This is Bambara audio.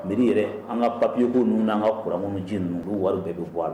Miiri yɛrɛ an ka papiye ninnu n'an ka kuran minnuw j ninnu wari bɛɛ bɛ bɔ a la